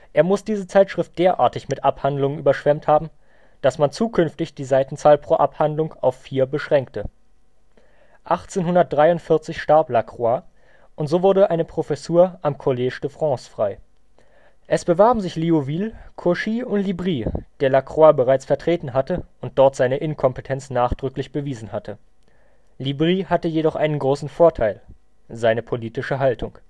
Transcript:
Er muss diese Zeitschrift derartig mit Abhandlungen überschwemmt haben, dass man zukünftig die Seitenzahl pro Abhandlung auf vier beschränkte. 1843 starb Lacroix und so wurde eine Professur am Collège de France frei. Es bewarben sich Liouville, Cauchy und Libri, der Lacroix bereits vertreten hatte und dort seine Inkompetenz nachdrücklich bewiesen hatte. Libri hatte jedoch einen großen Vorteil: Seine politische Haltung